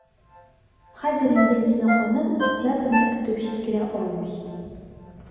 Хәзер инде Нина ханым октябрьне көтеп җиткерә алмый.